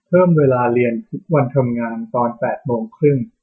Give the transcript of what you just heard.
เพิ่มเวลาเรียนทุกวันทำงานตอนแปดโมงครึ่ง